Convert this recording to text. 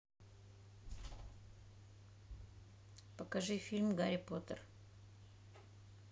покажи фильм гарри поттер